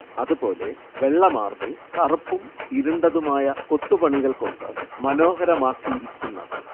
അതുപോലെ വെള്ള മാർബിളിൽ കറുപ്പും ഇരുണ്ടതുമായ കൊത്തുപണികൾ കൊണ്ട് മനോഹരമാക്കിയിരിക്കുന്നത്